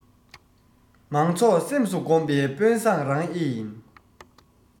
མང ཚོགས སེམས སུ བསྒོམས པའི དཔོན བཟང རང ཨེ ཡིན